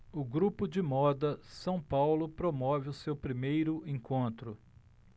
o grupo de moda são paulo promove o seu primeiro encontro